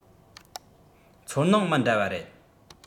ཚོར སྣང མི འདྲ བ རེད